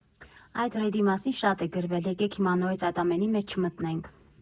Այդ ռեյդի մասին շատ է գրվել, եկե՛ք հիմա նորից այդ ամենի մեջ չմտնենք։